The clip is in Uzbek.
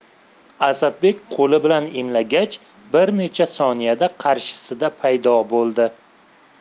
asadbek qo'li bilan imlagach bir necha soniyada qarshisida paydo bo'ldi